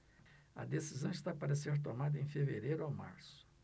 a decisão está para ser tomada em fevereiro ou março